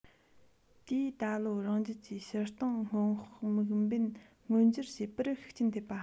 དེས ད ལོའི རང རྒྱལ གྱི ཕྱིར གཏོང སྔོན དཔག དམིགས འབེན མངོན འགྱུར བྱེད པར ཤུགས རྐྱེན ཐེབས པ